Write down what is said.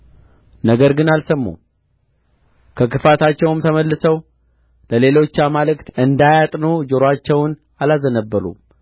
ነገር ግን አልሰሙም ከክፋታቸውም ተመልሰው ለሌሎች አማልክት እንዳያጥኑ ጆሮአቸውን አላዘነበሉም